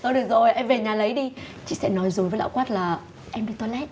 thôi được rồi em về nhà lấy đi chị sẽ nói dối với lão quắt là em đi toa lét